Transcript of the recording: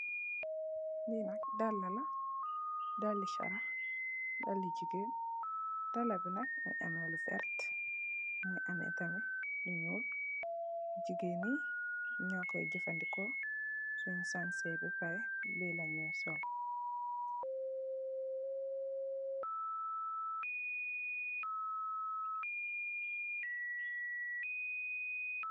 Lee nak dalla la dalle sharah dalle jegain dalla be nak muge ameh lu verte muge ameh tamin lu nuul jegain ye nukoy jefaneku sun sanseh ba pareh lelanuy sol.